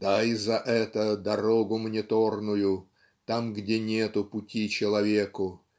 Дай за это дорогу мне торную Там где нету пути человеку